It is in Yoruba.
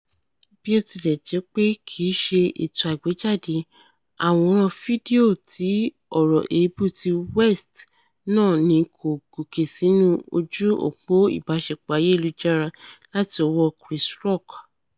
Botilẹjẹpe kìí ṣe ètò àgbéjáde, àwòrán fídíò ti ọ̀rọ̀ èébú ti West náà ni kó gòké sínú ojú-òpò ìbáṣepọ̀ ayelujara láti ọwọ́ Chris Rock.